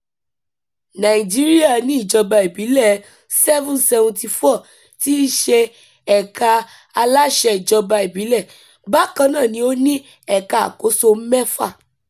Nàìjíríà ní ìjọba ìbílẹ̀ 774, tí í ṣe ẹ̀ka aláṣẹ ìjọba ìbílẹ̀. Bákan náà ni ó ní ẹ̀ka àkóso mẹ́fàá.